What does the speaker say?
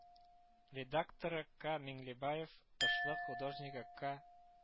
Редакторы К Миңлебаев Тышлык художнигы Ка